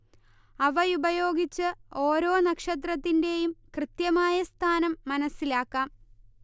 അവയുപയോഗിച്ച് ഒരോ നക്ഷത്രത്തിന്റെയും കൃത്യമായ സ്ഥാനം മനസ്സിലാക്കാം